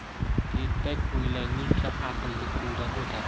tentak o'ylanguncha aqlli suvdan o'tar